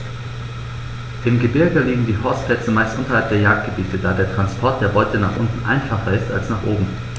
Im Gebirge liegen die Horstplätze meist unterhalb der Jagdgebiete, da der Transport der Beute nach unten einfacher ist als nach oben.